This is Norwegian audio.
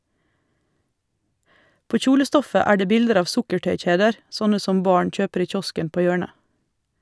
På kjolestoffet er det bilder av sukkertøykjeder, sånne som barn kjøper i kiosken på hjørnet.